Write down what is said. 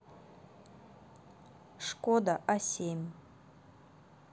шкода а семь